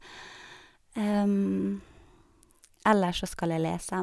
Ellers så skal jeg lese.